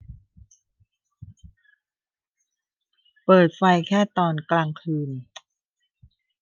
เปิดไฟแค่ตอนกลางคืน